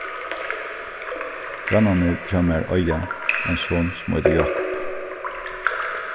grannarnir hjá mær eiga ein son sum eitur jákup